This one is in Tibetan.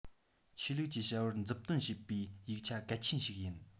ཆོས ལུགས ཀྱི བྱ བར མཛུབ སྟོན བྱེད པའི ཡིག ཆ གལ ཆེན ཞིག ཡིན